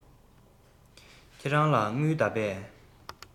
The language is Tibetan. ཁྱེད རང ལ དངུལ ད པས